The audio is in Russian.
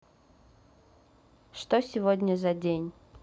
что сегодня за день